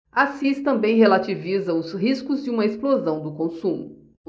assis também relativiza os riscos de uma explosão do consumo